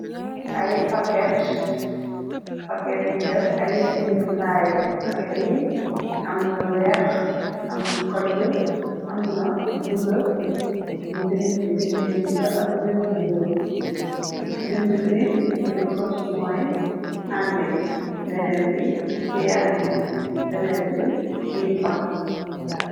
Ay pakèt, pakèt yu deff ay bindukaay. Pakèt yi amna weeh, amna hëll, amna bulo. Nu bind ci bind yu bulo ak yu ñuul. Bindu bi lu ci gënna fës moy handi, benen bi ciyano, benen bi kilipa.